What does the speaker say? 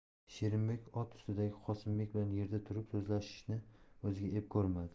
sherimbek ot ustidagi qosimbek bilan yerda turib so'zlashishni o'ziga ep ko'rmadi